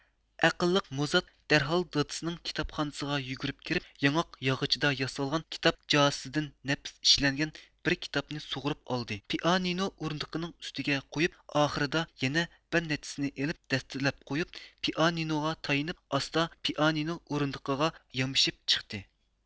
ئەقىللىق مۇزات دەرھال دادىسىنىڭ كىتابخانىسىغا يۈگۈرۈپ كىرىپ ياڭاق ياغىچىدا ياسالغان كىتاب قازىسىدىن نەپىس ئىشلەنگەن بىر كىتابنى سۇغۇرۇپ ئالدى پىئانىنو ئورۇندىقىنىڭ ئۈستىگە قويۇپ ئاخىرىدا يەنە بىر نەچچىنى ئېلىپ دەستىلەپ قويۇپ پىئانىنوغا تايىنىپ ئاستا پىئانىنو ئورۇندۇقىغا يامىشىپ چىقتى